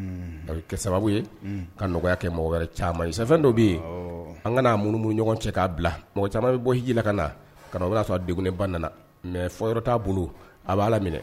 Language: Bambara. Kɛ sababu ka nɔgɔya kɛ mɔgɔ wɛrɛ caman ye dɔ bɛ yen an ka munumunu ɲɔgɔn cɛ k'a bila mɔgɔ caman bɛ bɔ'la ka na ka'a sɔrɔba nana mɛ fɔ yɔrɔ t'a bolo a b'a la minɛ